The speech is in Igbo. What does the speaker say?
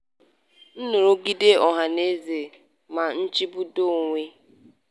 Nrụgide ọhanaeze, mmachibido onwe.